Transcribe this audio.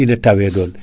ina tawe ɗon